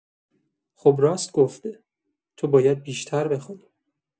خب راست گفته، تو باید بیشتر بخونی.